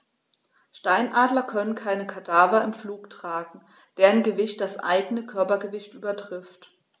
Steinadler können keine Kadaver im Flug tragen, deren Gewicht das eigene Körpergewicht übertrifft.